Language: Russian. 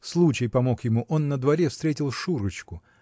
Случай помог ему: он на дворе встретил Шурочку